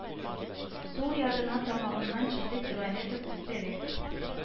Сул ярына тамагыннан җиде километр өстәрәк